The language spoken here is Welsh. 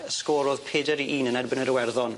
Y sgôr o'dd peder i un yn erbyn yr Iwerddon.